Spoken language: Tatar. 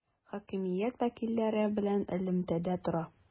Хакимият вәкилләре белән элемтәдә тора.